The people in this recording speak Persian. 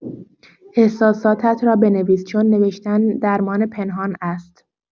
احساساتت را بنویس چون نوشتن درمان پنهان است.